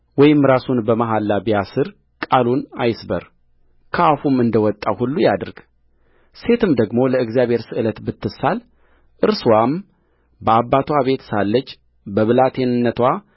ወይም ራሱ በመሐላ ቢያስር ቃሉን አይስበር ከአፉ እንደ ወጣው ሁሉ ያድርግሴትም ደግሞ ለእግዚአብሔር ስእለት ብትሳል እርስዋም በአባትዋ ቤት ሳለች በብላቴንነትዋ